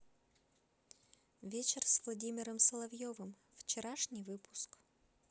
вечер с владимиром соловьевым вчерашний выпуск